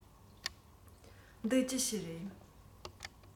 འདི ཅི ཞིག རེད